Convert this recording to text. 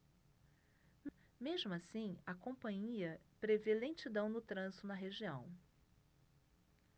mesmo assim a companhia prevê lentidão no trânsito na região